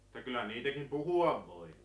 mutta kyllä niitäkin puhua voi